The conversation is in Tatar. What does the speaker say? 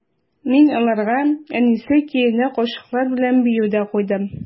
Мин аларга «Әнисә» көенә кашыклар белән бию дә куйдым.